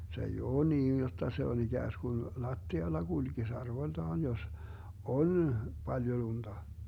se ei ole niin jotta se on ikään kuin lattialla kulkisi arvoltaan jos on paljon lunta